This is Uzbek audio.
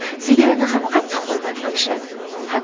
sigirini ham qattiq hurmat qilishadi